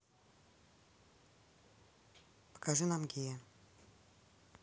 покажи нам гея